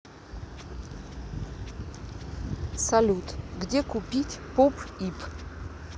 салют где купить поп ип